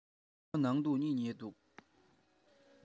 ཁོ ནང དུ གཉིད ཉལ འདུག